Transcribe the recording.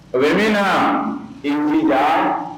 Amiina i wulila